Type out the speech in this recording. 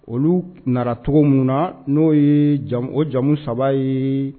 Olu nanacogo cogo min na n'o ye o jamu saba ye